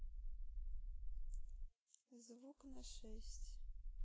звук на шесть